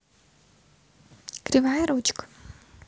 кривая ручка